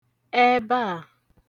ẹbẹ a